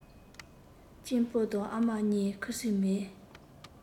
གཅེན པོ དང ཨ མ གཉིས ཁུ སིམ མེར